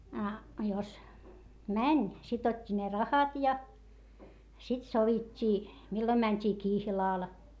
a jos meni sitten otti ne rahat ja sitten sovittiin milloin mentiin kihlalle